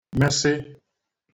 mesị